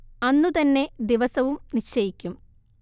അന്നുതന്നെ ദിവസവും നിശ്ചയിക്കും